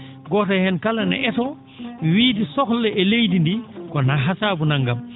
gooto heen kala no eeroo wiide sohla e leydi ndii ko na ha saabu nanngam